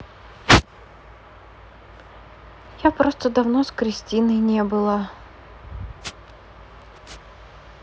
я просто давно с кристиной не было